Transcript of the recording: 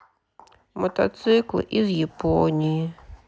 мотоциклы из японии